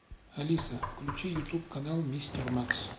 алиса включи ютюб канал мистер макс